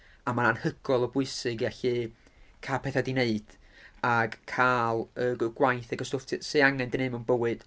A ma'n anhygoel o bwysig i allu cael petha 'di neud ac cael y g- gwaith ac y stwff ti sy angen gneud mewn bywyd.